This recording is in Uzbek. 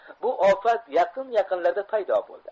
bu ofat yaqin yaqinlarda paydo bo'ldi